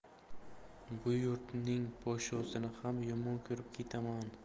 bu yurtning podshosini ham yomon ko'rib ketaman